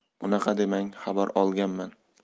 unaqa demang xabar olganman